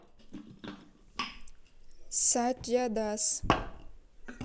сатья дас